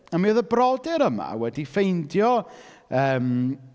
A mi oedd y brodyr yma wedi ffeindio, yym...